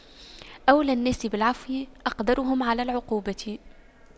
أولى الناس بالعفو أقدرهم على العقوبة